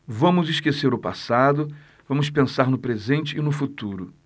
vamos esquecer o passado vamos pensar no presente e no futuro